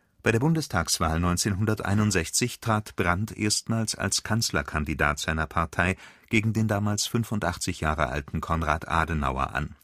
Bundestagswahl 1961 trat Brandt erstmals als Kanzlerkandidat seiner Partei gegen den damals 85 Jahre alten Konrad Adenauer an